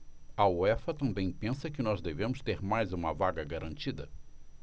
a uefa também pensa que nós devemos ter mais uma vaga garantida